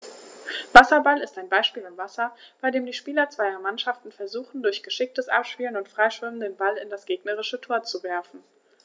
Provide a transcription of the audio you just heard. Wasserball ist ein Ballspiel im Wasser, bei dem die Spieler zweier Mannschaften versuchen, durch geschicktes Abspielen und Freischwimmen den Ball in das gegnerische Tor zu werfen.